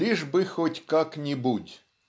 "Лишь бы хоть как-нибудь"